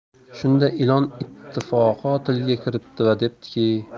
shunda ilon ittifoqo tilga kiribdi va debdiki